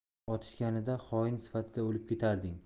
otishganida xoin sifatida o'lib ketarding